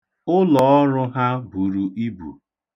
Ụlọọrụ ahụ buru ibu.